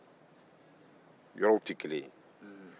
yɔrɔw te kelen ye